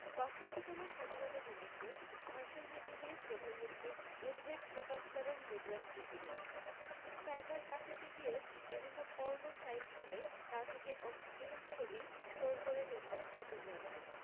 বাষট্টিতম স্বাধীনতা দিবসে ভাষণ দিতে গিয়ে প্রধানমন্ত্রী উদ্বেগ প্রকাশ করেন মুদ্রাস্ফীতি নিয়ে সাইবার কাফেতে গিয়ে বিভিন্ন পর্ণো সাইট খুলে তা থেকে অশ্লীল ছবি স্টোর করে নিচ্ছে ছোট্ট যন্ত্রে